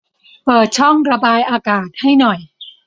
เปิดช่องระบายอากาศให้หน่อย